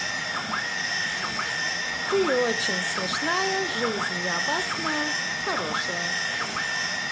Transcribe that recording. ты очень смешная жизнь неопасная хорошее